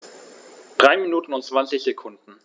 3 Minuten und 20 Sekunden